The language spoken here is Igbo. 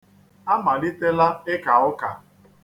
A malitela ịka ụka.